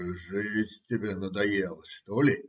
- Жизнь тебе надоела, что ли?